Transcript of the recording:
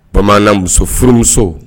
Bamanan musof furumuso